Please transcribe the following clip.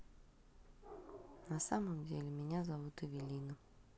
на самом деле меня зовут эвелина